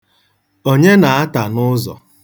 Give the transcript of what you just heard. Onye na-ata n'ụzọ?